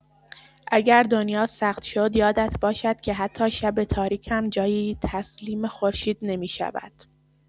اگر دنیا سخت شد، یادت باشد که حتی شب تاریک هم جایی تسلیم خورشید نمی‌شود.